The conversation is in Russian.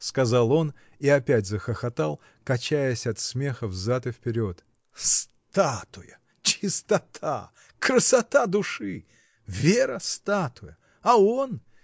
— сказал он и опять захохотал, качаясь от смеха взад и вперед. — Статуя! чистота! красота души! Вера — статуя! А он!.